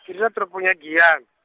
ke dula toropong ya Giyani.